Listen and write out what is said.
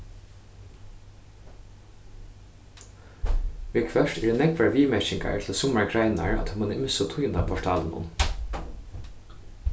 viðhvørt eru nógvar viðmerkingar til summar greinar á teimum ymsu tíðindaportalunum